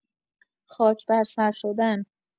خاک بر سر شدن